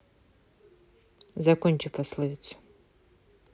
закончи пословицу